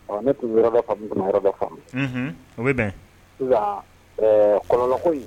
Ne tun yɛrɛ yɔrɔ tun yɔrɔ dɔ fa kɔnɔko